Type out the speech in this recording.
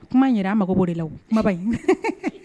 Kuma in yɛrɛ an mago bɔ de la, kumaba in